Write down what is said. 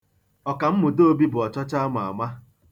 Ọkm. Obi bụ ọchọcha a ma ama.